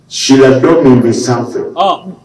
Silamɛ dɔ minnu bɛ sanfɛ